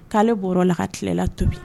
K'ale bɔra la ka tilala tobi